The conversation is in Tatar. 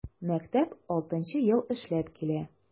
Мәктәп 6 нчы ел эшләп килә.